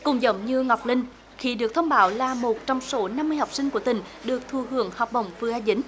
cũng giống như ngọc linh khi được thông báo là một trong số năm mươi học sinh của tỉnh được thụ hưởng học bổng vừ a dính